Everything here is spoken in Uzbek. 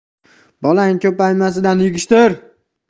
bolang ko'paymasidan yig'ishtir